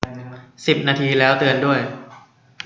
สิบนาทีแล้วเตือนด้วย